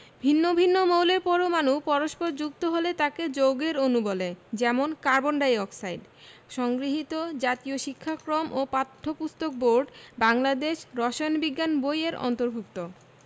ভিন্ন ভিন্ন মৌলের পরমাণু পরস্পর যুক্ত হলে তাকে যৌগের অণু বলে যেমন কার্বন ডাই অক্সাইড সংগৃহীত জাতীয় শিক্ষাক্রম ও পাঠ্যপুস্তক বোর্ড বাংলাদেশ রসায়ন বিজ্ঞান বই এর অন্তর্ভুক্ত